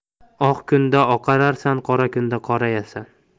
oq kunda oqararsan qora kunda qorayarsan